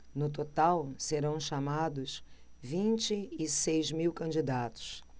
no total serão chamados vinte e seis mil candidatos